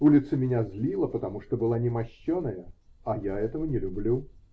Улица меня злила, потому что была немощеная, а я этого не люблю